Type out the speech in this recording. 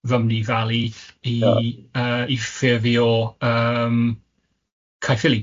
Rymney Valley i yy i ffurfio yym Caerphilly